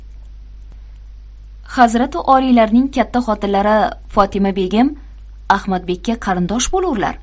hazrati oliylarining katta xotinlari fotima begim ahmadbekka qarindosh bo'lurlar